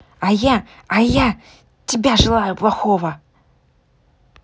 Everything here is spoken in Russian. а я а я тебя желаю плохого